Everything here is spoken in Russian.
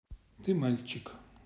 ты мальчик